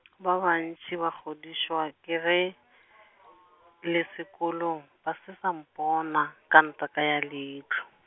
ba bantši ba kgodišwa ke ge , le sekolong, ba se sa mpona, ka ntaka ya leihlo.